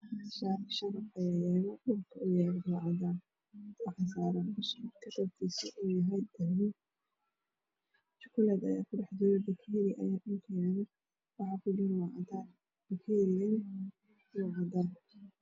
Meshan shabaq aya yalo dhulka oow yalo waa cadan waxasaran buskud kalarkis oow yahay dahbi jukuled aya kudhexjiro bakeri aya dhulka yalo waxa kujiro waa cadan bakerigan waa cadan